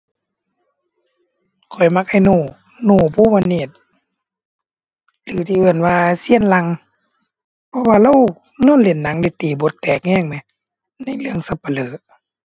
ข้อยมักอ้ายโน่ โน่ ภูวเนตร หรือที่เอิ้นว่าเซียนหรั่ง เพราะว่าเลา เลาเล่นหนังได้ตีบทแตกแรงแหม ในเรื่องสัปเหร่อ